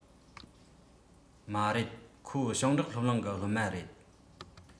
མ རེད ཁོ ཞིང འབྲོག སློབ གླིང གི སློབ མ རེད